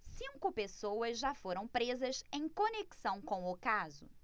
cinco pessoas já foram presas em conexão com o caso